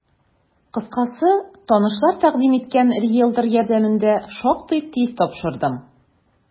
Кыскасы, танышлар тәкъдим иткән риелтор ярдәмендә шактый тиз тапшырдым.